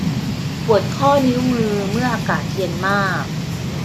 ปวดข้อนิ้วมือเมื่ออากาศเย็นมาก